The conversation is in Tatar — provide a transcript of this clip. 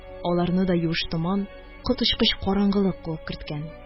Аларны да юеш томан, коточкыч караңгылык куып керткән